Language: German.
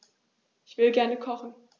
Ich will gerne kochen.